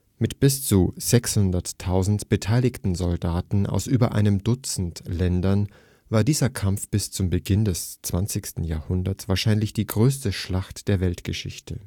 bis zu 600.000 beteiligten Soldaten aus über einem Dutzend Ländern war dieser Kampf bis zum Beginn des 20. Jahrhunderts wahrscheinlich die größte Schlacht der Weltgeschichte